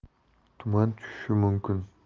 tuman tushishi mumkin